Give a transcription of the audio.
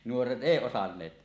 nuoret ei osanneet